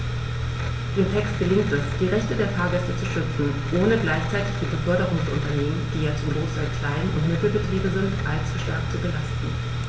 Dem Text gelingt es, die Rechte der Fahrgäste zu schützen, ohne gleichzeitig die Beförderungsunternehmen - die ja zum Großteil Klein- und Mittelbetriebe sind - allzu stark zu belasten.